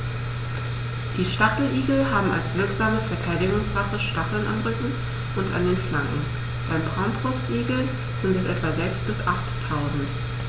Die Stacheligel haben als wirksame Verteidigungswaffe Stacheln am Rücken und an den Flanken (beim Braunbrustigel sind es etwa sechs- bis achttausend).